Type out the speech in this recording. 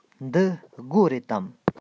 འདི སྒོ རེད དམ